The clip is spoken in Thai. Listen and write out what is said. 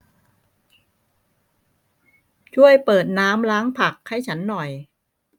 ช่วยเปิดน้ำล้างผักให้ฉันหน่อย